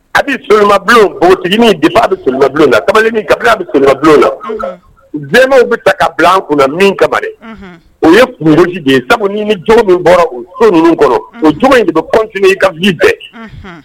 Habi soloma bulon npogotiginin depuis a be soloma bulon na kamalennin kabin'a be soloma bulon na unhun jɛmanw be ta ka bil'an kunna min kama de unhun o ye kungosi de ye sabu n'i ni jogo min bɔra o so ninnu kɔnɔ unhun o jogo in de be continuer i ka vie bɛɛ